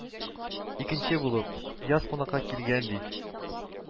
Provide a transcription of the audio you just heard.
Икенче булып, Яз кунакка килгән, ди